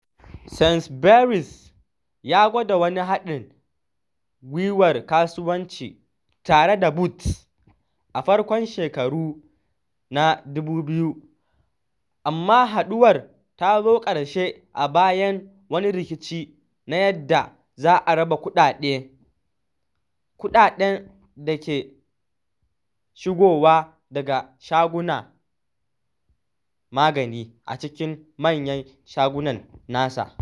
Sainsbury’s ya gwada wani haɗin gwiwar kasuwanci tare da Boots a farkon shekaru na 2000, amma haɗuwar ta zo ƙarshe a bayan wani rikici na yadda za a raba kuɗaɗen da ke shigowa daga shagunan magani a cikin manyan shagunan nasa.